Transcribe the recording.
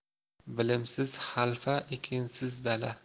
bilimsiz xalfa ekinsiz dala